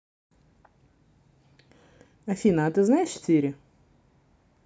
афина а ты знаешь сири